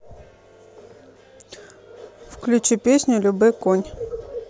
включи песню любэ конь